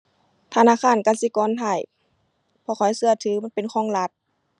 ธนาคารกสิกรไทย เพราะข้อยเชื่อถือ มันเป็นของรัฐ